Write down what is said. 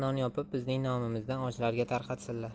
non yopib bizning nomimizdan ochlarga tarqatsinlar